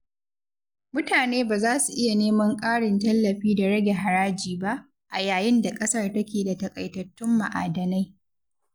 Mutane ba za su iya neman ƙarin tallafi da rage haraji ba, a yayin da ƙasar take da taƙaitattun ma'adanai.